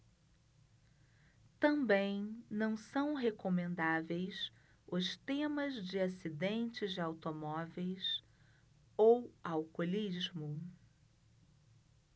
também não são recomendáveis os temas de acidentes de automóveis ou alcoolismo